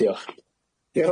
Diolch.